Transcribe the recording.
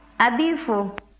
a b'i fo